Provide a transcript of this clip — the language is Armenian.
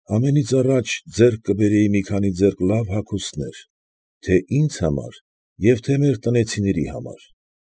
Ամենից առաջ ձեռք կբերեի մի քանի ձեռք լավ հագուստներ թե՛ ինձ համար և թե՛ մեր տնեցիների համար։